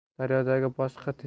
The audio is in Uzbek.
daryo dagi boshqa